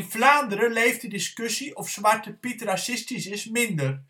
Vlaanderen leeft de discussie of Zwarte Piet racistisch is minder